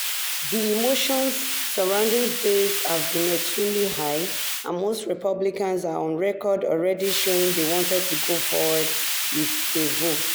The emotions surrounding this have been extremely high, and most Republicans are on record already showing they wanted to go forward with a vote.